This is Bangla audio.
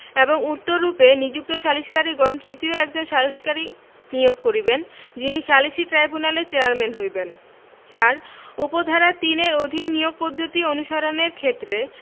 এবং উক্তরূপে নিযুক্ত সালিককারীগণ তৃতীয় একজন সালিসকারী নিয়োগ করিবেন যিনি সালিসী ট্রাইব্যুনালের চেয়ারম্যান হইবেন ৪ উপ ধারা ৩ এর অধীন নিয়োগ পদ্ধতি অনুসারণের ক্ষেত্রে